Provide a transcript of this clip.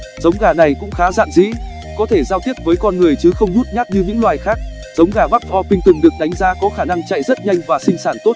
giống gà này cũng khá dạn dĩ có thể giao tiếp với con người chứ không nhút nhát như những loài khác giống gà buff orpington được đánh giá có khả năng chạy rất nhanh và sinh sản tốt